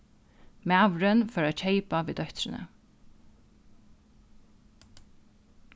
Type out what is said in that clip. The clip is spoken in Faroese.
maðurin fór at keypa við dóttrini